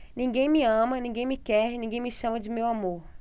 ninguém me ama ninguém me quer ninguém me chama de meu amor